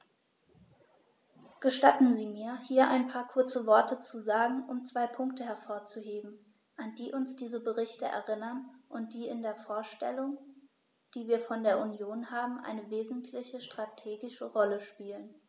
Gestatten Sie mir, hier ein paar kurze Worte zu sagen, um zwei Punkte hervorzuheben, an die uns diese Berichte erinnern und die in der Vorstellung, die wir von der Union haben, eine wesentliche strategische Rolle spielen.